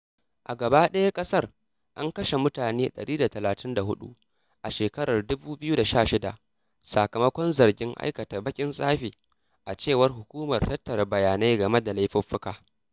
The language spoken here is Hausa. A gaba ɗayan ƙasar, an kashe mutane 134 a shekarar 2016 sakamakon zargin aikata "baƙin tsafi", a cewar Hukumar Tattara Bayanai game da Laifuffuka,